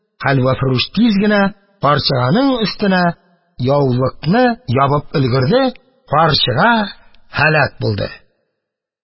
Хәлвәфрүш тиз генә карчыганың өстенә яулыкны ябып өлгерде, карчыга һәлак булды.